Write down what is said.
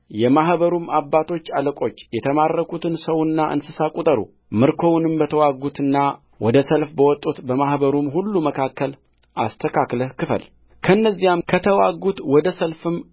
የማኅበሩም አባቶች አለቆች የተማረኩትን ሰውና እንስሳ ቍጠሩምርኮውንም በተዋጉትና ወደ ሰፍል በወጡት በማኅበሩም ሁሉ መካከል አስተካክለህ ክፈልከእነዚያም ከተዋጉት ወደ ሰልፍም